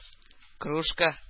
Кружка